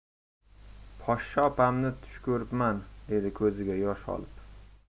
poshsha opamni tush ko'ribman dedi ko'ziga yosh olib